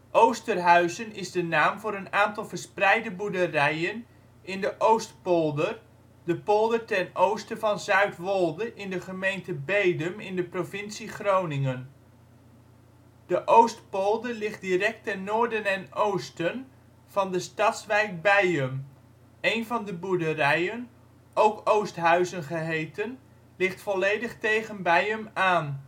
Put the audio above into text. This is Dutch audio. Oosterhuizen is de naam voor een aantal verspreide boerderijen in de Oostpolder, de polder ten oosten van Zuidwolde in de gemeente Bedum in de provincie Groningen. De Oostpolder ligt direct ten noorden en oosten van de stadswijk Beijum. Een van de boerderijen, ook Oosthuizen geheten, ligt volledig tegen Beijum